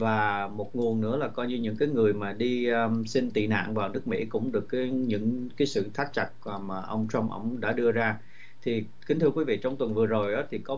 và một nguồn nữa là coi như những cái người mà đi a xin tị nạn vào nước mỹ cũng được cái những cái sự thắt chặt quà mà ông trump ông đã đưa ra thì kính thưa quý vị trong tuần vừa rồi á thì có